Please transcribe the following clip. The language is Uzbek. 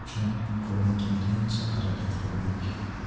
uchun qo'ldan kelgancha harakat qildik